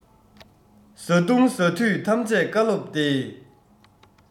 བཟའ བཏུང ཟ དུས ཐམས ཅད བཀའ སློབ བདེ